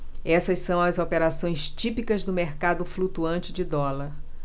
essas são as operações típicas do mercado flutuante de dólar